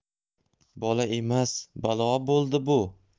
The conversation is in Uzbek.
bola emas balo bo'ldi bu